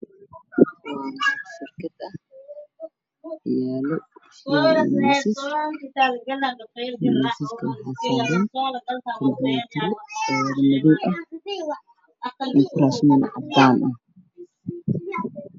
Waa xafiis waxaa yaalo kombito midabkoodu yahay madow miis iyo kuraas caddaan ah